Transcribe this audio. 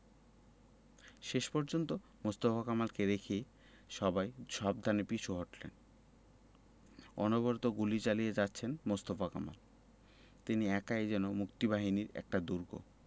যান শেষ পর্যন্ত মোস্তফা কামালকে রেখে সবাই খুব সাবধানে পিছু হটলেন অনবরত গুলি চালিয়ে যাচ্ছেন মোস্তফা কামাল তিনি একাই যেন মুক্তিবাহিনীর একটা দুর্গ